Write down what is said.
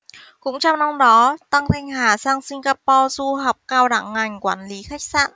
cũng trong năm đó tăng thanh hà sang singapore du học cao đẳng ngành quản lý khách sạn